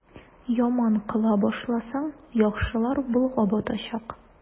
Яман кыла башласаң, яхшылар болгап атачак.